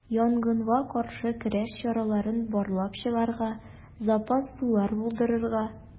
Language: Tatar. Янгынга каршы көрәш чараларын барлап чыгарга, запас сулар булдырырга.